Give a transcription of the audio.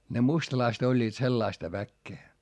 ne mustalaiset olivat sellaista väkeä